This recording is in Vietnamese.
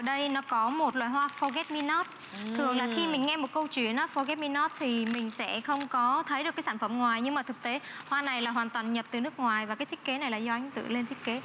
đây nó có một loại hoa pho ghét mi nót thường là khi mình nghe một câu chuyện á pho ghét mi nót thì mình sẽ không có thấy được cái sản phẩm ngoài nhưng mà thực tế hoa này là hoàn toàn nhập từ nước ngoài và cái thiết kế này là do anh tự lên thiết kế